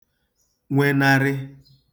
nwenarị